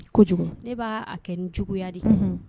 Kojugu ne b'a a kɛ ni juguya de ye unhun